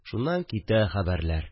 Шуннан китә хәбәрләр